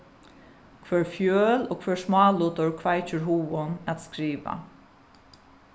hvør fjøl og hvør smálutur kveikir hugin at skriva